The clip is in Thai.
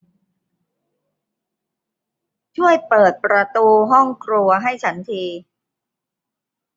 ช่วยเปิดประตูห้องครัวให้ฉันที